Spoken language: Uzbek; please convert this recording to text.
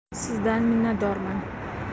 sizdan minnatdorman